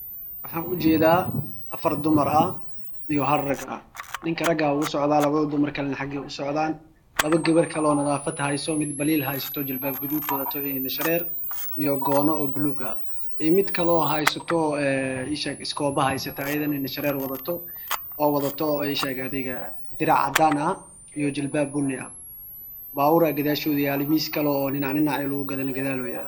Waxaan ujeeda afar rag ah iyo laba dumar ah wexeey usocdaan xagan garab kale oo nadafad haysa jalbaab gaduuda wadata indha shareer iyo gono baluga iyo midkaloo haysata iskobe haysata